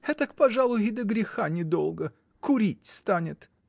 Этак, пожалуй, и до греха недолго: курить станет.